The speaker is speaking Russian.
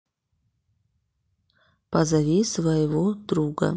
позови своего друга